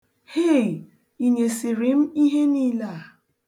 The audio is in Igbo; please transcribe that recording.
Hei! i nyesịrị m ihe niile a?